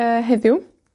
yy, heddiw.